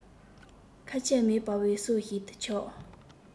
ཁ ཆད མེད པའི སྲོལ ཞིག ཏུ ཆགས